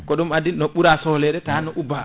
ko ɗum addi no ɓuura sohlede tawa na ubba